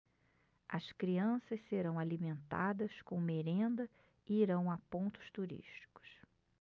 as crianças serão alimentadas com merenda e irão a pontos turísticos